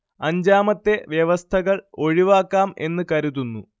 അഞ്ചാമത്തെ വ്യവസ്ഥകൾ ഒഴിവാക്കാം എന്നു കരുതുന്നു